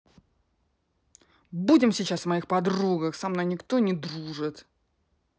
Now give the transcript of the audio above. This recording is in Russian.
будем сейчас о моих подругах со мной никто не дружит